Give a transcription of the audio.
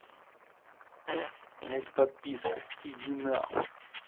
у меня есть подписка идинахуй